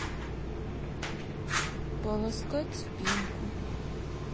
поласкать спинку